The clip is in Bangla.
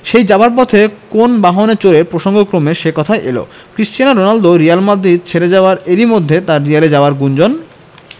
সেই যাওয়ার পথে কোন বাহনে চড়ে প্রসঙ্গক্রমে সে কথাও এল ক্রিস্টিয়ানো রোনালদো রিয়াল মাদ্রিদ ছেড়ে যাওয়ায় এরই মধ্যে তাঁর রিয়ালে যাওয়ার গুঞ্জন